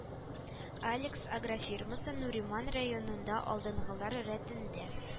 Алекс агрофирмасы Нуриман районында алдынгылар рәтендә